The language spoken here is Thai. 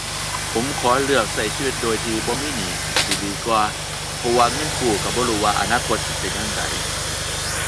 ผมขอเลือกใช้ชีวิตโดยที่บ่มีหนี้สิดีกว่า เพราะว่าเงินกู้ใช้บ่รู้ว่าอนาคตสิเป็นจั่งใด